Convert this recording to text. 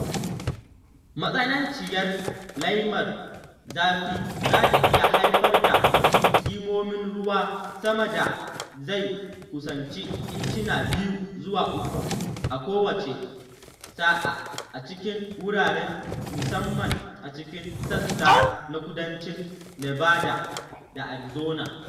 Matsananciyar laimar zafi za ta iya haifar da kimomin ruwan sama da zai kusanci incina 2 zuwa 3 a kowace sa’a a cikin wuraren, musamman a cikin sassa na kudancin Nevada da Arizona.